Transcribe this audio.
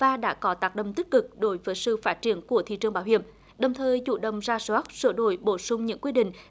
và đã có tác động tích cực đối với sự phát triển của thị trường bảo hiểm đồng thời chủ động rà soát sửa đổi bổ sung những quy định